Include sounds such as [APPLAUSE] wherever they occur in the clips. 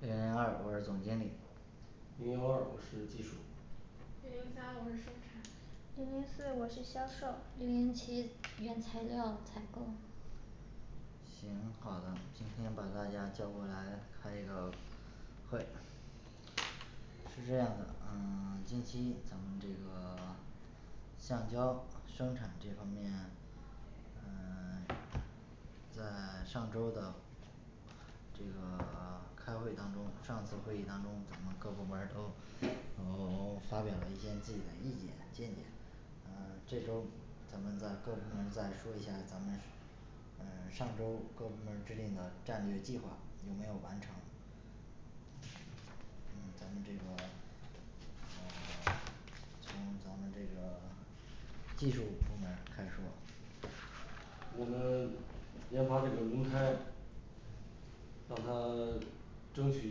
零零二我是总经理零幺二我是技术零零三我是生产零零四我是销售零零七原材料采购行好的，今天把大家叫过来开一个会是这样的，呃 [SILENCE] 近期咱们这个 [SILENCE] 橡胶生产这方面在上周的这个 [SILENCE] 开会当中，上次会议当中，咱们各部门儿都都 [SILENCE] 发表了一些自己的意见见解嗯这周咱们再各部门儿再说一下，咱们嗯上周各部门儿制定的战略计划有没有完成？嗯 [SILENCE] 这种嗯 [SILENCE] 从咱们这个技术部门儿开始说我们研发这个轮胎让它争取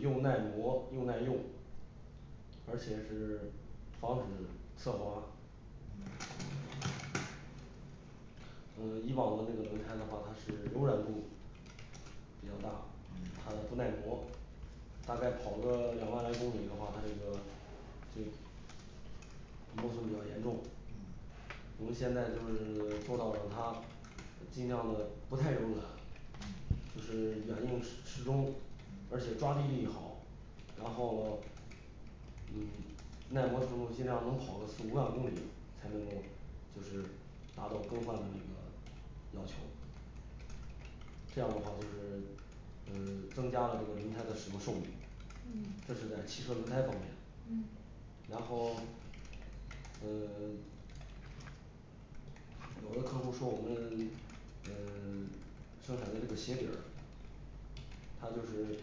又耐磨又耐用，而且是防止侧滑。嗯以往的那个轮胎的话它是柔软度比较大，它嗯不耐磨，大概跑个两万来公里的话它这个就磨损比较严重我们现在就是做到了，它尽量的不太柔软就是软硬适 [UNINTELLIGIBLE] 适中而且抓地力好，然后嗯耐磨程度尽量能跑个四五万公里才能够就是达到更换的那个要求这样的话就是嗯增加了这个轮胎的使用寿命。嗯这是在汽车轮胎方面嗯然后嗯 [SILENCE] 有的客户说我们嗯 [SILENCE] 生产的这个鞋底儿它就是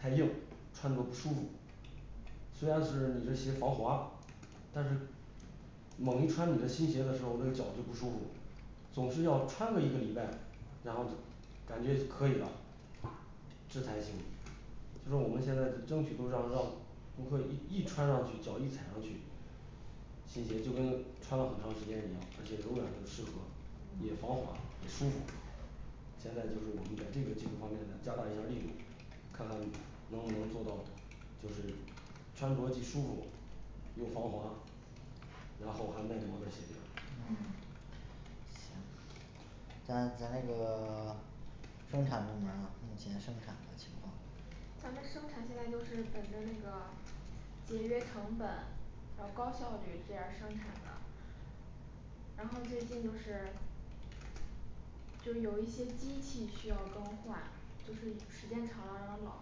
太硬，穿着不舒服虽然是你这鞋防滑但是猛一穿你的新鞋的时候那个脚就不舒服总是要穿个一个礼拜，然后感觉可以了制裁行为，就是说我们现在争取都让让顾客一一穿上去脚一踩上去新鞋就跟穿了很长时间一样，而且永远都适合，也防滑也舒服现在就是我们在这个技术方面呢加大一下力度，看看能不能做到就是穿着既舒服，又防滑，然后还耐磨的鞋底儿嗯咱咱那个 [SILENCE] 生产部门儿呢目前生产的情况咱们生产现在就是本着那个节约成本，然后高效率这样生产的然后最近就是就有一些机器需要更换，就是时间长了然后老，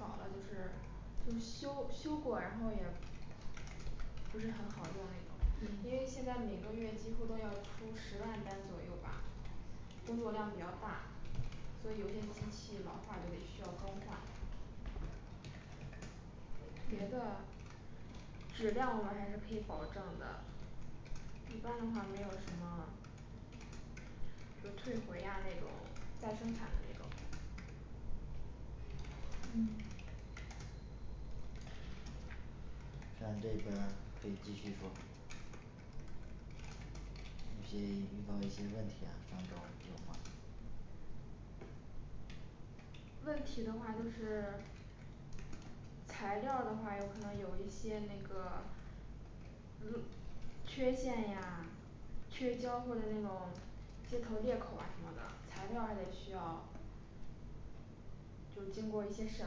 老了就是就是修修过然后也不是很好用那种。因嗯为现在每个月几乎都要出十万单左右吧工作量比较大，所以有些机器老化就得需要更换别的质量我们还是可以保证的一般的话没有什么就退回啊那种再生产的那种嗯那这边儿可以继续说一些遇到一些问题呀什么都有吗问题的话就是材料儿的话有可能有一些那个嗯缺陷呀缺胶或者那种接头儿裂口儿啊什么的材料儿还得需要就是经过一些审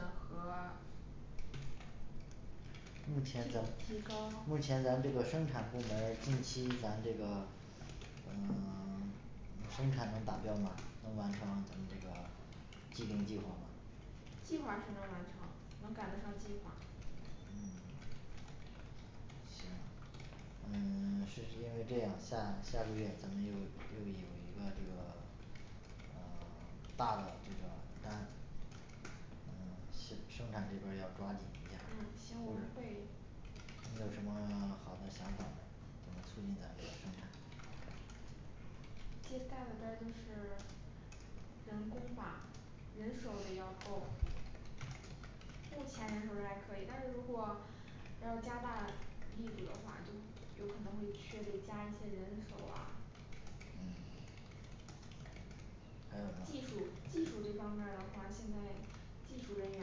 核目前咱们提高目前咱这个生产部门儿近期咱这个嗯 [SILENCE] 生产能达标吗能完成咱们这个既定计划吗计划是能完成，能赶得上计划嗯行。嗯是因为这样下下个月咱们又又有一个这个嗯 [SILENCE] 大的这个单嗯生 [UNINTELLIGIBLE] 生产这边儿要抓紧一下嗯行我儿们会你有什么好的想法，能促进咱们这个生产最大的单儿就是人工吧人手得要够目前人手儿还是可以但是如果要加大力度的话，就有可能会缺的加一些人手啊。嗯还有技呢术技术这方面儿的话，现在技术人员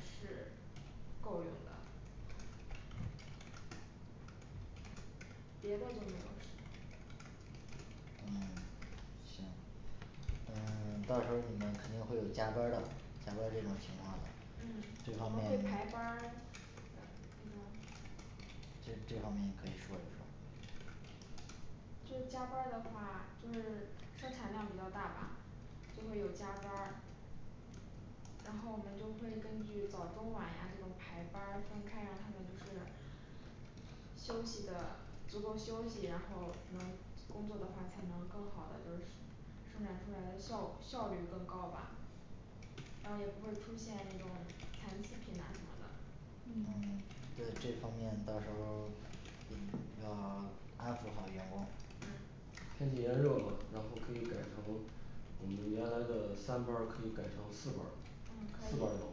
是够用的别的就没有什么嗯行。嗯到时候你们肯定会有加班儿的，加班儿这种情况嗯这我方们会面排班儿一种就是这方面也可以说一说这加班儿的话就是生产量比较大吧，就会有加班儿然后我们就会根据早中晚呀这种排班儿分开，让他们就是休息的足够休息，然后能工作的话才能更好的就是生产出来的效效率更高吧然后也不会出现那种残次品啊什么的嗯对这方面到时候儿一定要安抚好员工天气炎热嘛，然后可以改成我们原来的三班儿可以改成四班儿，四嗯可以班儿倒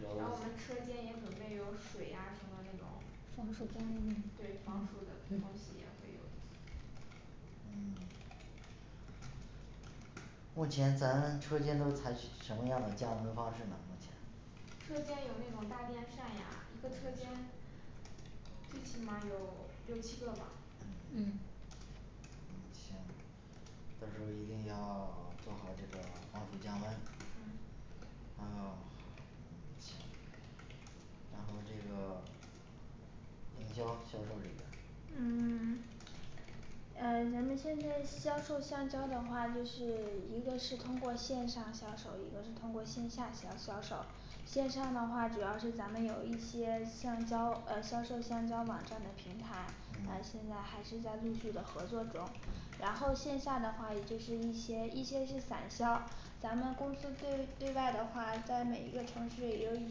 那然我后们车间也准备有水啊什么那种防暑的东西对防暑的东西也会有的。嗯目前咱车间都采取什么样的降温方式呢目前车间有那种大电扇呀，一个车间最起码有六七个吧嗯一千五到时候一定要做好这个防暑降温，嗯啊嗯行然后这个营销销售这边嗯儿 [SILENCE] 嗯咱们现在销售橡胶的话，就是一个是通过线上销售，一个是通过线下销销售线上的话主要是咱们有一些橡胶呃销售橡胶网站的平台呃嗯现在还是在陆续的合作中然后线下的话也就是一些一些是散销咱们公司对对外的话，在每一个城市有一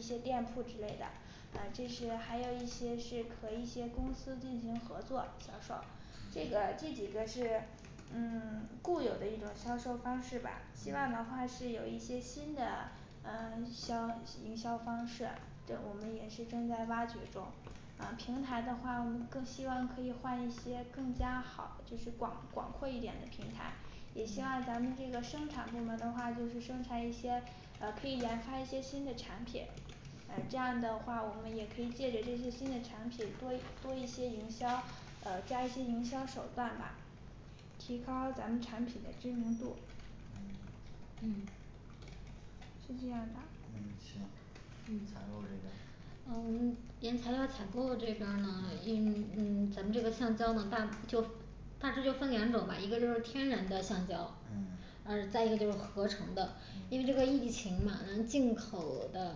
些店铺之类的嗯这是还有一些是和一些公司进行合作销售，这个这几个是嗯固有的一种销售方式吧，希望的话是有一些新的啊销营销方式这我们也是正在挖掘中呃平台的话，我们更希望可以换一些更加好就是广广阔一点的平台也希望咱们这个生产部门的话就是生产一些呃可以研发一些新的产品呃这样的话我们也可以借着这些新的产品，多一多一些营销，呃加一些营销手段吧提高咱们产品的知名度嗯是这样的零零七原材料采购嗯，采购这边儿哦嗯原材料儿采购这边儿呢嗯嗯咱们这个橡胶的大就大致就分两种吧一个就是天然的橡胶，嗯嗯再一个就是合成的因为嗯这个疫情嘛能进口的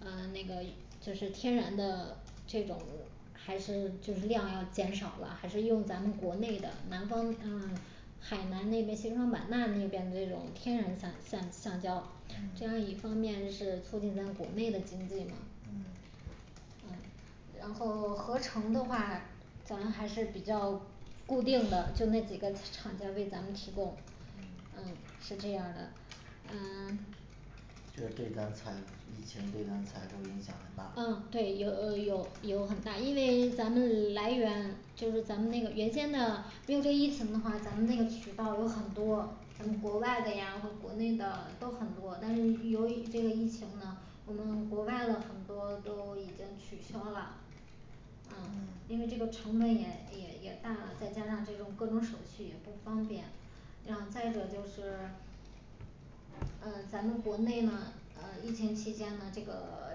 嗯那个就是天然的这种还是就是量要减少了，还是用咱们国内的南方嗯海南那边西双版纳那边那种天然橡橡橡胶这嗯样一方面是促进咱国内的经济嘛嗯然后合成的话，咱还是比较固定的就那几个厂家为咱们提供呃嗯是这样儿的嗯 [SILENCE] 就是对咱们厂疫情对咱们产出影响很大嗯对有有有很大，因为咱们来源就是咱们那个原先呢因为这疫情的话，咱们那个渠道有很多从国外的呀或国内的都很多，但是由于这个疫情呢我们国外的很多都已经取消啦嗯嗯因为这个成本也也也大了，再加上这种各种手续也不方便然后再一个就是呃咱们国内呢啊疫情期间呢这个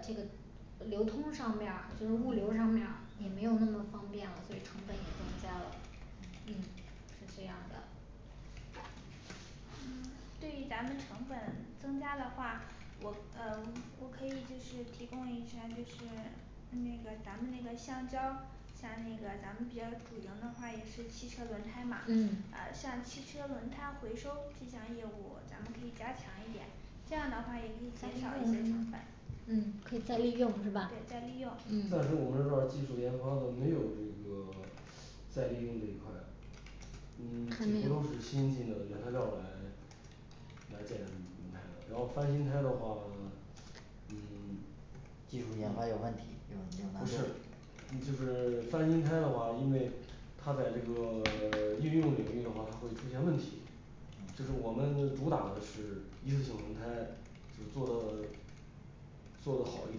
[SILENCE] 这个流通上面儿就是物流上面儿也没有那么方便了，所以成本也增加了嗯是这样的嗯对于咱们成本增加的话我呃我我可以就是提供一下儿就是那个那个咱们那个橡胶像那个咱们比较主营的话也是汽车轮胎嘛，嗯嗯像汽车轮胎回收这项业务咱们可以加强一点，这样的话也可以减少一些成本嗯可以再利用是吧对再利用嗯暂时我们这儿技术研发的没有这个再利用这一块嗯几乎都是新进的原材料儿来来建轮轮胎然后翻新胎的话 [SILENCE] 嗯 [SILENCE] 技术研发有问题，你们明白不是吗就是翻新胎的话，因为它在这个 [SILENCE] 运用领域的话它会出现问题就是我们主打的是一次性轮胎，就做的做的好一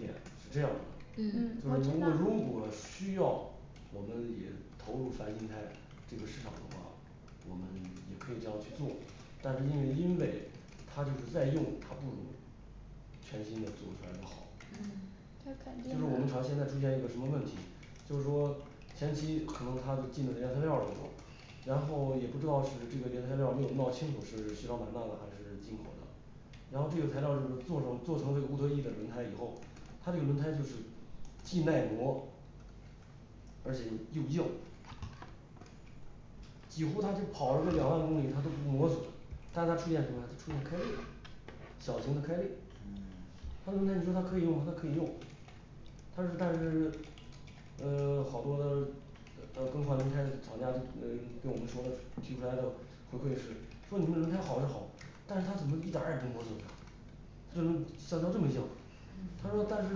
点是这样的。就嗯嗯我知是道如如果需要我们也投入翻新胎这个市场的话我们也可以这样去做，但是因为因为他就是在用，他不如全新的做出来的好嗯就是感，觉就是我们厂现在出现一个什么问题就是说前期可能他的进的原材料儿的过然后也不知道是这个原材料儿没有闹清楚是西双版纳的还是进口的然后这个材料儿就是做成做成那个固特异的轮胎以后，它这个轮胎就是既耐磨而且又硬几乎它就跑了个两万公里它都不磨损，但它出现什么，出现开裂小型的开裂它轮胎你说它可以用吗？它可以用它是但是 [SILENCE] 呃 [SILENCE] 好多的呃 [UNINTELLIGIBLE] 更换轮胎的厂家就给嗯我们说的提出来的回馈是说你们轮胎好是好，但是它怎么一点儿也不磨损呢这轮橡胶这么硬，他说但是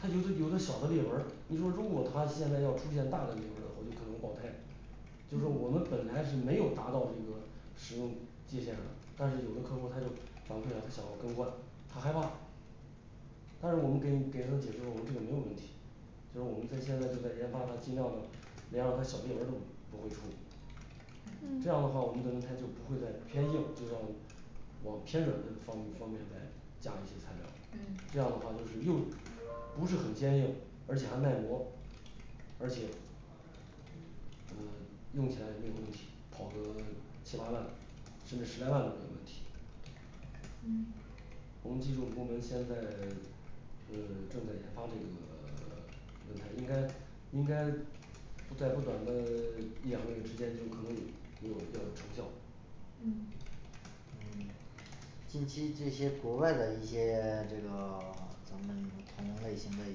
它有的有的小的裂纹儿，你说如果它现在要出现大的裂纹儿的话，有可能爆胎就说我们本来是没有达到这个使用界限了，但是有的客户他就反馈了他想要更换，他害怕但是我们给你给他的解释后我们这个没有问题就是我们在现在就在研发，它尽量的连让它小裂纹儿都不会出这嗯样的话我们的轮胎就不会再偏硬，就让往偏软的方面方面再加一些材料儿，这嗯样的话就是又不是很坚硬，而且还耐磨而且嗯用起来没有问题，跑个七八万甚至十来万都没有问题嗯我们技术部门现在呃正在研发这个 [SILENCE] 轮胎应该应该在不短的 [SILENCE] 一两个月之间，就有可能有有要有成效嗯近期这些国外的一些这个 [SILENCE] 咱们同类型的一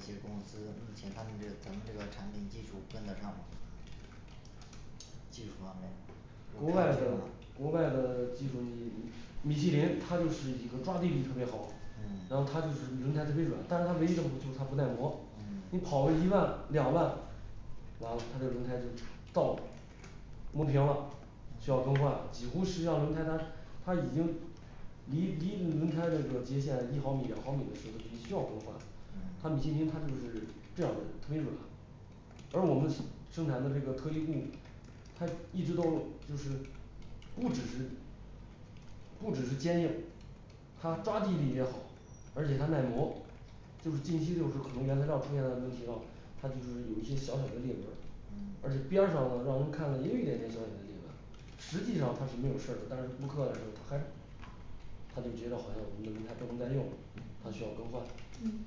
些公司，目前他们这咱们这个产品技术跟得上吗技术方面国外的国外的技术你米其林它就是一个抓地力特别好然后它就是轮胎特别软但是它唯一的不足就是它不耐磨你嗯跑个一万两万完了它这轮胎就爆了磨平了，需要更换，几乎实际上轮胎它它已经离离轮胎那个接线一毫米两毫米的时候就需要更换它米其林它就是这样的特别软而我们生产的这个特异固它一直都就是不只是不只是坚硬它抓地力也好而且它耐磨就是近期就是可能原材料儿出现的问题后，它就是有一些小小的裂纹儿，而且边儿上呢让人看了也有一点点小小的裂纹，实际上它是没有事儿的，但是顾客来说他害怕，他就觉得好像我们的轮胎不能再用了，他需要更换。嗯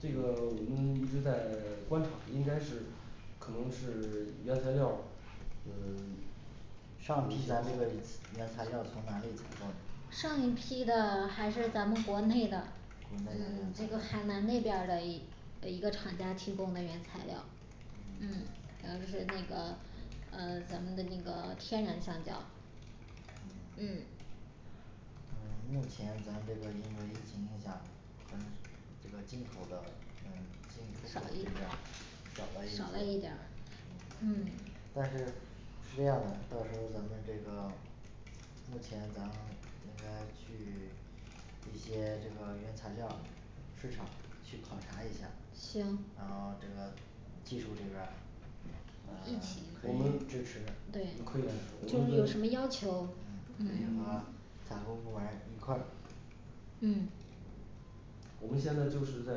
这个我们一直在观察应该是可能是原材料儿呃 [SILENCE] 上一批的原材料从哪里采购的上一批的，还是咱们国内的国内的海南那边儿嘞一诶一个厂家提供的原材料儿嗯咱们的呃咱们的那个天然橡胶嗯嗯目前咱们这边儿因为疫情影响就这进口的嗯进出口的是这样的。少少了一点了一点儿嗯但是是这样的，到时候儿咱们这个目前咱应该去一些就说原材料儿市场去考察一下儿，然行后这个技术这边儿具嗯 [SILENCE] 体我们支持可以支持我对具体什么们的要求嗯 [SILENCE] 采购部门儿一块儿嗯我们现在就是在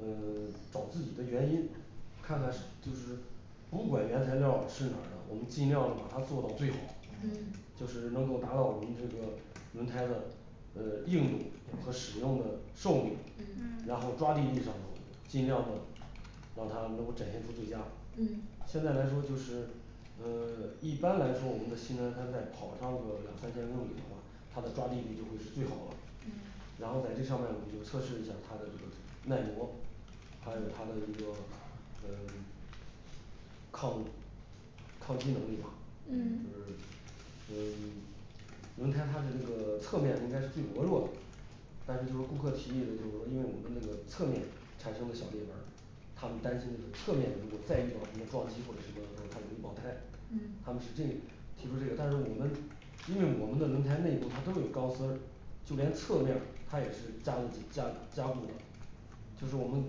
嗯找自己的原因，看看是就是不管原材料儿是哪儿的，我们尽量的把它做到最好，嗯就是能够达到我们这个轮胎的呃硬度和使用的寿命嗯，然嗯后抓地力上呢尽量的让他能够展现出最佳嗯现在来说就是，呃一般来说我们的新轮胎在跑上个两三千公里的话他的抓力点就会是最好了，然后在这上面我们就测试一下儿它的这个耐磨还有它的一个嗯 [SILENCE] 抗抗击能力吧就嗯是嗯 [SILENCE] 轮胎它的那个侧面应该是最薄弱的，但是就是顾客提议的就是说因为我们那个侧面产生的小裂纹儿他们担心的是侧面，如果再遇到什么撞击或者什么的时候，它容易爆胎，嗯他们是这样提出这个但是我们因为我们的轮胎内部它都有钢丝儿就连侧面儿它也是加加加固的就是我们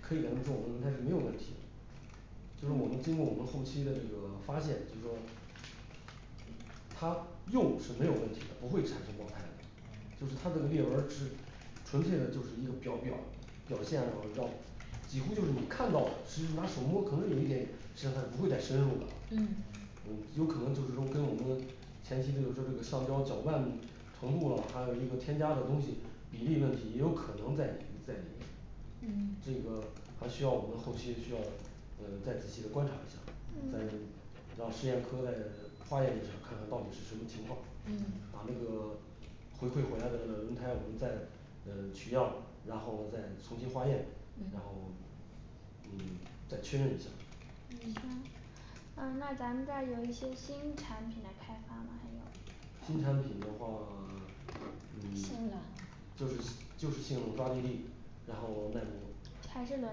可以跟他们说我们轮胎是没有问题的就是我们经过我们后期的这个发现就说他用是没有问题的，不会产生爆胎的。就是他的那个裂纹儿是纯粹的就是一个表表表现啊让几乎就是你看到的是拿手摸，可能有一点点实际它是不会再深入了嗯嗯有可能就是说跟我们前期的这个说橡胶搅拌程度了，还有一个添加的东西，比例问题也有可能在在里面嗯这个还需要我们后期需要嗯再仔细的观察一下再嗯让实验科再化验一下，看看到底是什么情况嗯把那个回馈回来的那个轮胎我们再嗯取样然后再重新化验然嗯后嗯再确认一下呃那咱们这儿有一些新产品的开发吗现在新产品的话， [SILENCE] 嗯就是就是性能抓地力，然后耐磨还是轮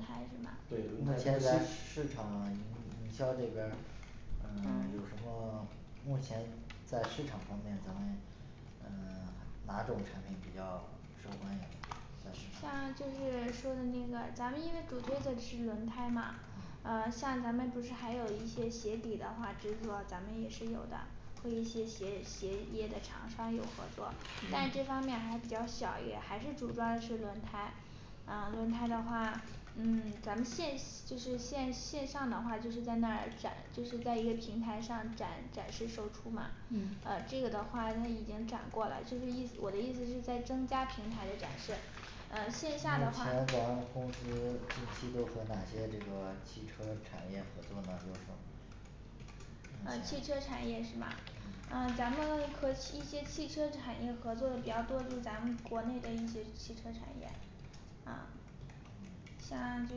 胎是吗？对轮现胎在是市场营营销这边儿有什么目前在市场方面的唉呃哪种产品比较受欢迎？像就是说的那个咱们因为主推的是轮胎嘛呃像咱们不是还有一些鞋底的话只是说咱们也是有的会一些鞋底鞋业的厂商有合作，但这方面还比较小一点，还是主抓的是轮胎啊轮胎的话，嗯咱们线就是线线上的话就是在那儿展就是在一个平台上展展示售出嘛，&嗯&呃这个的话他已经转过来，就是一我的意思是再增加平台的展示呃目线前咱下的们话公司近期都和哪些这个汽车产业合作呢就是说呃汽车产业是吗呃咱们和一些汽车产业合作的比较多，就是咱们国内的一些汽车产业啊像就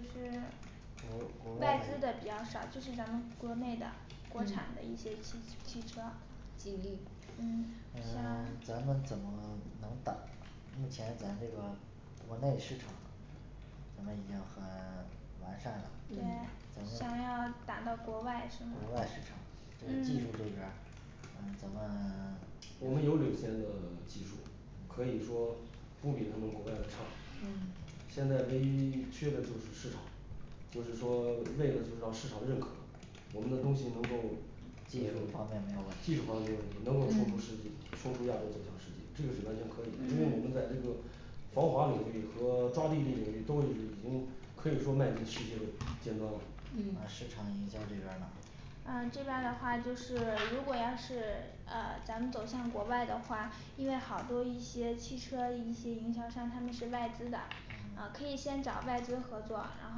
是嗯国国外外资的的比较少，就是咱们国内的国产的一些汽汽车呃像咱们怎么能把目前咱这个目前国内市场我们已经很完善对了想咱们要打到国外是吗国外市场，这个技术嗯这边儿呃咱们我们有领先的技术可以说不比他们国外的差。现在唯一缺的就是市场就是说为了就是让市场认可，我们的东西能够技术方呃面没有问题技术方面没有问题能够冲出世界冲出亚洲走向世界，这个是完全可以的，因为我们在那个防滑领域和抓地力领域都已经可以说迈进世界的尖端了呃嗯市场营销这边儿呢呃这边儿的话就是如果要是呃咱们走向国外的话，因为好多一些汽车一些营销商他们是外资的啊可以先找外资合作，然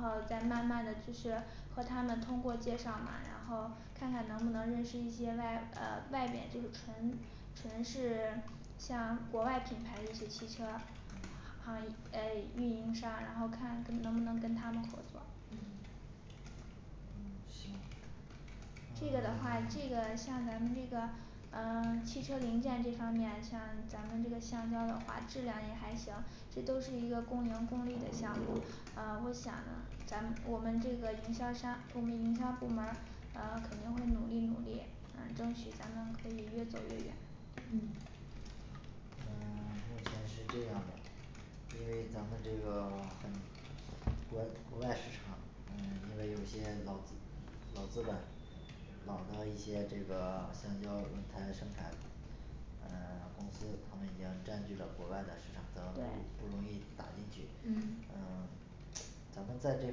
后再慢慢的就是和他们通过介绍嘛，然后看看能不能认识一些外呃外面就是纯纯是像国外品牌一些汽车啊唉运营商，然后看能不能跟他们合作嗯&嗯&这个的话这个像咱们这个啊汽车零件这方面像咱们这个橡胶的话质量也还行这都是一个共赢共利的项目呃目前呢咱们我们这个营销商我们营销部门儿嗯肯定会努力努力嗯争取咱们可以越走越远嗯老的一些这个橡胶轮胎生产嗯 [SILENCE] 他们已经占据了国外的市场氛围不容易打进去嗯嗯。咱们在这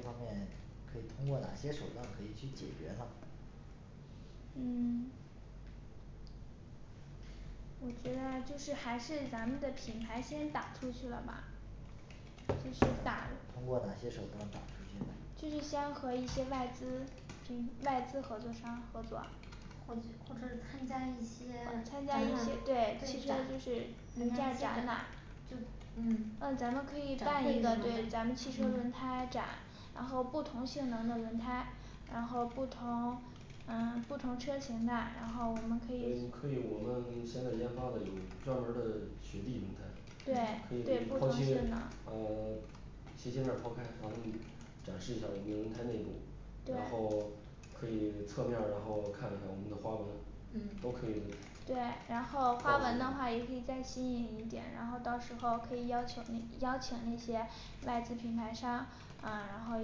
方面可以通过哪些手段可以去解决呢嗯我觉得就是还是咱们的品牌先打出去了吧就是打通过哪些手段呢就是先和一些外资外资合作商合作或者就是参加一些参加一些，对就是汽车展的一些展览嗯那咱们嗯咱可以办办一一个个对咱吗们汽车轮胎展然后不同性能的轮胎然后不同嗯不同车型的，然后我们可以嗯可以我们现在研发的有专门儿的雪地轮胎可对，以对给不抛同斜性能啊。 [SILENCE] 斜截面儿抛开然后展示一下儿我们的轮胎内部然对后可以侧面儿然后看一下我们的花纹嗯都可以的对然后花纹的话也可以再新颖一点，然后到时候可以邀请那邀请那些外资品牌商，啊然后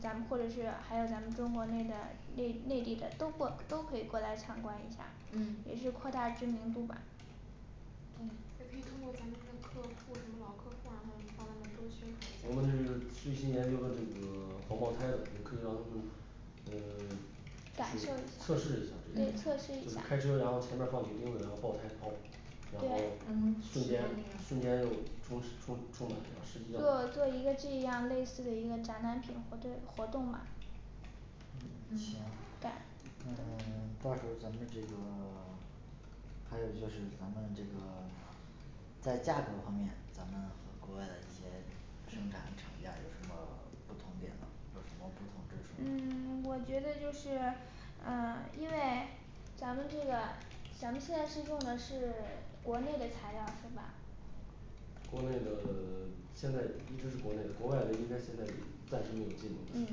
咱们或者是还有咱们中国内的内内地的都过都可以过来参观一下嗯也是扩大知名度吧也可以通过咱们的客户，什么老客户啊这些方面多宣传一下我们的最新研究的这个防爆胎的，也可以让他们嗯感受测试一一下下，对这嗯测车试，一就是下开车前面放几个钉子，然后爆胎刨然后对嗯瞬间瞬间又充实充充满了实际上做做一个这样类似的一个展览品和这个活动嘛嗯到时候儿咱们这个 [SILENCE] 还有就是咱们这个在价格方面，咱们和国外的一些生产厂家有什么不同点吗有什么不同之处嗯 [SILENCE] 我觉得就是呃因为咱们这个咱们现在是用的是国内的材料是吧国内的 [SILENCE] 现在一直是国内的，国外的应该现在也暂时没有进的是嗯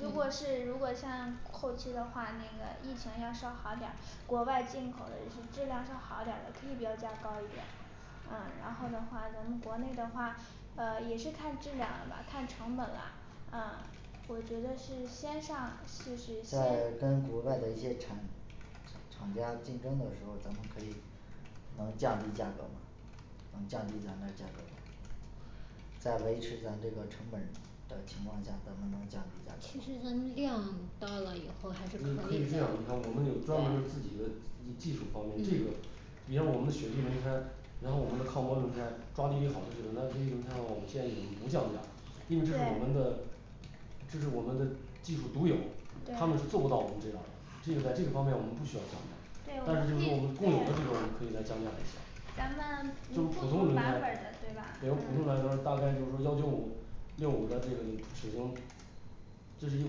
如果是如果像后期的话那个疫情要稍好点儿国外进口的就是质量上好点儿的可以标价高一点啊，然后的话咱们国内的话呃也是看质量了吧看成本了。嗯我觉得是先上就是再先跟国外的一些产厂家竞争的时候，咱们可以能降低价格吗能降低它的价格在维持咱这个成本的情况下能不能降其实咱们低点量儿到了以后还可你可以以这样，你看我们有专门的自己的技术方面这个你像我们的雪地轮胎然后我们的抗磨轮胎抓地力好的轮胎那这些轮胎的话，我建议我们不降价，因为这是我对们的这是我们的技术独有，他对们是做不到我们这样的这也在这个方面我们不需要降价对但是就是说我们固有的这种可以再降价一下咱们就是普普通通轮版本的胎对吧，比如普通轮胎大概就是说幺九五六五的这种齿形这是一个